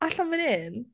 Allan fan hyn...